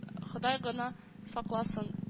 Ходай гына сакласын